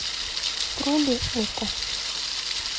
тролли окко